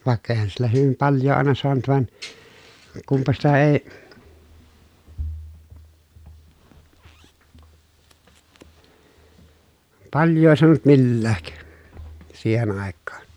vaikka eihän sillä hyvin paljoa aina saanut vaan kunpa sitä ei paljoa saanut millään siihen aikaan